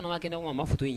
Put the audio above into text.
Kɛ b maa fɔ ye